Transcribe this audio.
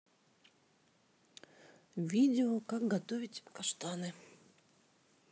видео как готовить каштаны